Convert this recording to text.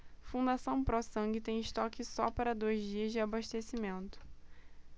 fundação pró sangue tem estoque só para dois dias de abastecimento